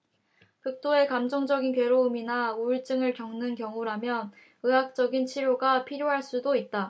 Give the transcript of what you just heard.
극도의 감정적인 괴로움이나 우울증을 겪는 경우라면 의학적인 치료가 필요할 수도 있다